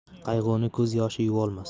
qayg'uni ko'z yoshi yuvolmas